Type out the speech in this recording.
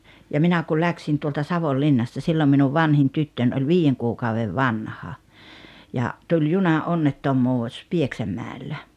ja minä kyllä lähdin tuolta Savonlinnasta silloin minun vanhin tyttöni oli viiden kuukauden vanha ja tuli junaonnettomuus Pieksämäellä